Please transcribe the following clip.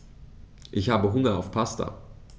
Ich habe Hunger auf Pasta.